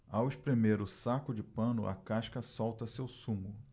ao espremer o saco de pano a casca solta seu sumo